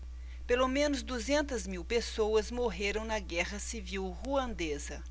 pelo menos duzentas mil pessoas morreram na guerra civil ruandesa